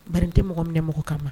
Ba tɛ mɔgɔ minɛ mɔgɔ kama ma